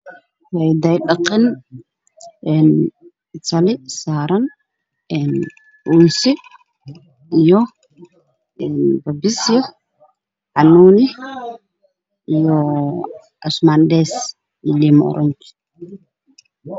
Waa hidah iyo dhaqan, sali saaran uunsi, babisyo, canuuni, ismaadheys iyo liin oranji.